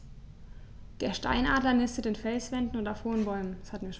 Der Steinadler nistet in Felswänden und auf hohen Bäumen.